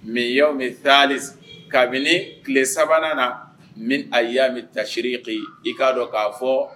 Mɛ' min taali kabini tile sabanan na min a y'a bɛ taa seere to i'a dɔn k'a fɔ